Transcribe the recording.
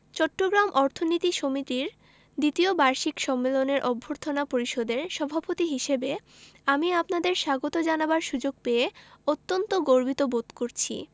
চট্টগ্রাম অর্থনীতি সমিতির দ্বিতীয় বার্ষিক সম্মেলনের অভ্যর্থনা পরিষদের সভাপতি হিসেবে আমি আপনাদের স্বাগত জানাবার সুযোগ পেয়ে অত্যন্ত গর্বিত বোধ করছি